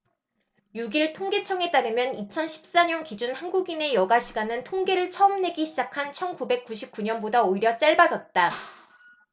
육 일 통계청에 따르면 이천 십 사 년 기준 한국인의 여가 시간은 통계를 처음 내기 시작한 천 구백 구십 구 년보다 오히려 짧아졌다